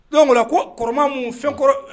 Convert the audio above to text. Don mun ko kɔrɔma mun fɛn kɔrɔ